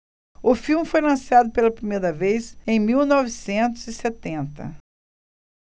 o filme foi lançado pela primeira vez em mil novecentos e setenta